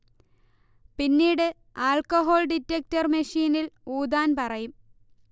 പിന്നീട് alcohol detector മെഷീനിൽ ഊതാൻ പറയും